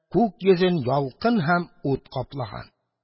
Күк йөзен ялкын һәм ут каплаган.